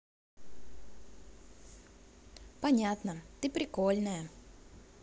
понятно ты прикольная